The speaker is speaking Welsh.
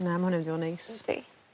Na ma' wnna neis. Yndi.